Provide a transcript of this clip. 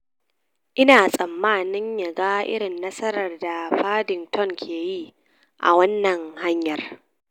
Ina tsammanin ya ga irin nasarar da Paddington ke yi, a wannan hanyar.